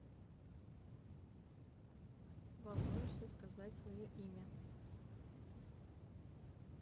волнуешься сказать свое имя